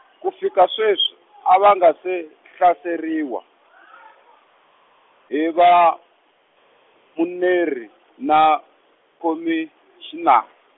ku fika sweswi, a va nga se hlaseriwa , hi vamuneri, na khomixina-.